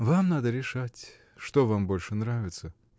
— Вам надо решать, что вам больше нравится.